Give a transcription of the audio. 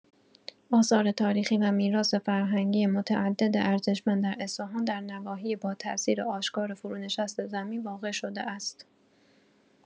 آثار تاریخی و میراث‌فرهنگی متعدد ارزشمند در اصفهان در نواحی با تاثیر آشکار فرونشست زمین واقع‌شده است.